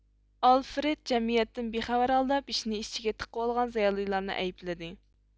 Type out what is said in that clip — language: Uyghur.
ئالفرېد جەمئىيەتتىن بىخەۋەر ھالدا بېشىنى ئىچىگە تىقىۋالغان زىيالىيلارنى ئەيىپلىدى